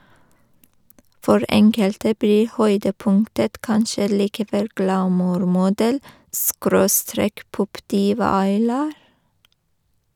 For enkelte blir høydepunktet kanskje likevel glamourmodell- skråstrek- popdiva Aylar.